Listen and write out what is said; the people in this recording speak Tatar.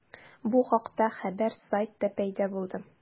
Бу хакта хәбәр сайтта пәйда булды.